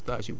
voilà